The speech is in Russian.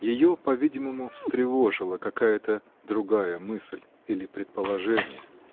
Ее, по-видимому, встревожила какая-то другая мысль или предположение.